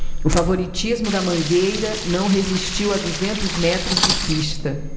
o favoritismo da mangueira não resistiu a duzentos metros de pista